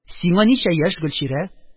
– сиңа ничә яшь, гөлчирә?